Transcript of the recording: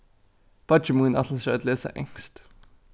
beiggi mín ætlar sær at lesa enskt